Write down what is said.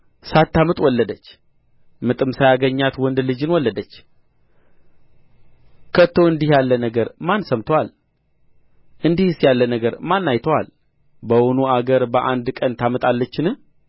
ሳታምጥ ወለደች ምጥም ሳያገኛት ወንድ ልጅን ወለደች ከቶ እንዲህ ያለ ነገር ማን ሰምቶአል እንዲህስ ያለ ነገር ማን አይቶአል በውኑ አገር በአንድ ቀን ታምጣለችን